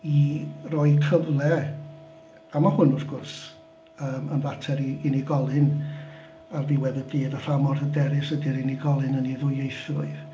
I roi cyfle a mae hwn wrth gwrs, yym yn fater i unigolyn ar ddiwedd y dydd, a pha mor hyderus ydy'r unigolyn yn ei ddwyieithrwydd.